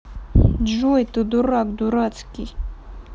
джой ты дурак дурацкий